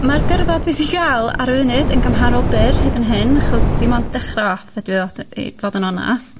Ma'r gyrfa dwi 'di ga'l ar y funud yn gymharol byr hyd yn hyn achos dim ond dechra off ydw i i fod yn onast